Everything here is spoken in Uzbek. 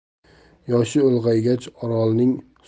yoshi ulg'aygach orolning